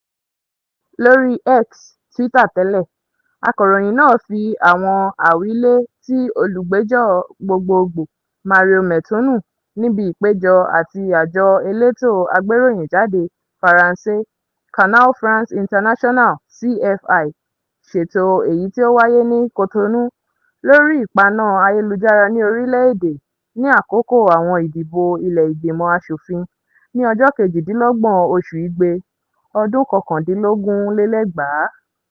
Lórí X (Twitter tẹ́lẹ̀), akọ̀ròyìn náà fi àwọn àwílé ti olúgbèjọ́ gbogboogbò, Mario Metonou, níbi ìpèjọ tí àjọ elétò agbéròyìnjáde Faransé, Canal France International (CFI) ṣètò èyí tí ó wáyé ní Cotonou, lórí ìpaná ayélujára ní orílè-èdè ní àkókò àwọn ìdìbò ilé ìgbìmọ̀ aṣofin ní ọjọ́ 28 oṣù Igbe, ọdún 2019.